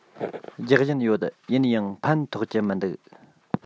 རྒྱག བཞིན ཡོད ཡིན ཡང ཕན ཐོགས ཀྱི མི འདུག